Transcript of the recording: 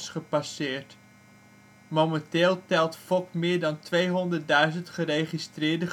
gepasseerd. Momenteel telt FOK! meer dan tweehonderdduizend geregistreerde gebruikers